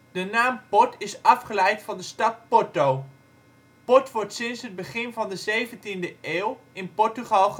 De naam port is afgeleid van de stad Porto. Port wordt sinds het begin van de 17e eeuw in Portugal gemaakt